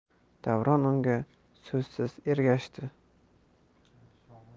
davron unga so'zsiz ergashdi